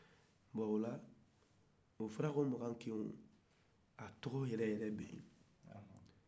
bon ola o farakomakankeyi ni a tɔgɔ yɛrɛ yɛrɛ be yen